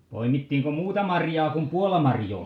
poimittiinko muuta marjaa kuin puolamarjaa